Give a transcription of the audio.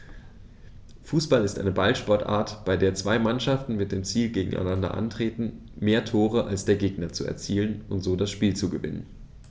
Fußball ist eine Ballsportart, bei der zwei Mannschaften mit dem Ziel gegeneinander antreten, mehr Tore als der Gegner zu erzielen und so das Spiel zu gewinnen.